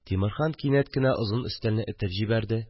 Тимерхан кинәт кенә озын өстәлне этеп җибәрде